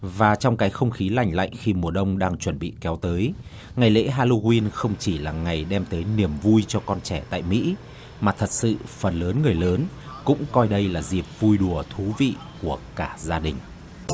và trong cái không khí lành lạnh khi mùa đông đang chuẩn bị kéo tới ngày lễ ha lô guyn không chỉ là ngày đem tới niềm vui cho con trẻ tại mỹ mà thật sự phần lớn người lớn cũng coi đây là dịp vui đùa thú vị của cả gia đình